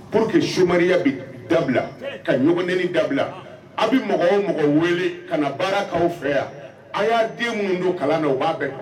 Pour que somaya bɛ dabila ka ɲɔgɔnani dabila a bɛ mɔgɔw o mɔgɔ wele ka na baarakaw fɛ yan a y'a den minnu don kalan na o b'a bɛɛ